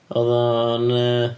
Oedd o'n yy...?